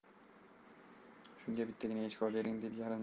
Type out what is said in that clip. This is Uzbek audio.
shunga bittagina echki obering deb yalindi